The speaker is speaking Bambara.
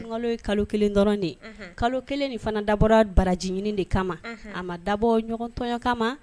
Kalo kalo kalo kelen de fana dabɔra barajiinin de kama a ma dabɔ ɲɔgɔntɔɔn kama